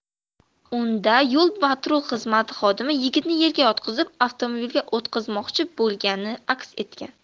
unda yol patrul xizmati xodimi yigitni yerga yiqitib avtomobilga o'tqizmoqchi bo'lgani aks etgan